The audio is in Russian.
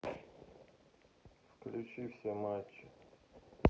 включи все матчи